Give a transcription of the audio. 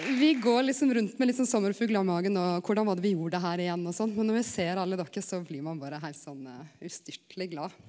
vi går liksom rundt med litt sånn sommarfuglar i magen og korleis var det vi gjorde det her igjen og sånn, men når vi ser alle dokker så blir ein berre heilt sånn ustyrteleg glad.